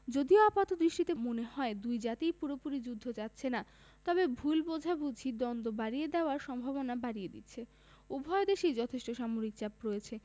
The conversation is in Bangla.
যদিও আপাতদৃষ্টিতে মনে হয় দুই জাতিই পুরোপুরি যুদ্ধ চাচ্ছে না তবে ভুল বোঝাবুঝি দ্বন্দ্ব বাড়িয়ে দেওয়ার সম্ভাবনা বাড়িয়ে দিচ্ছে উভয় দেশেই যথেষ্ট সামরিক চাপ রয়েছে